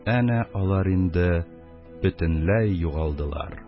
Әнә алар инде бөтенләй югалдылар.